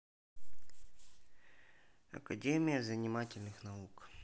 академия занимательных наук